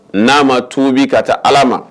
N'a ma tuubi ka taa Ala ma